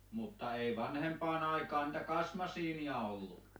mutta ei vanhempaan aikaan niitä kasmasiinia ollut